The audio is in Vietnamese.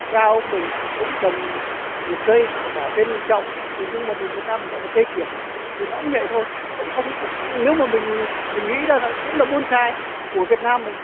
cha ông mình cũng trồng một cây rồi bỏ trên chậu hình như là mình việt nam mình gọi là cây kiểng thì nó cũng vậy thôi cũng không nếu mà mình mình nghĩ ra là cũng là bon sai của việt nam mình